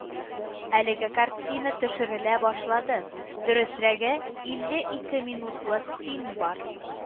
Әлеге картина төшерелә башлады, дөресрәге, илле ике минутлык фильм бар